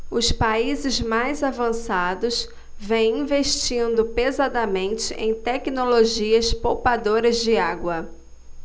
os países mais avançados vêm investindo pesadamente em tecnologias poupadoras de água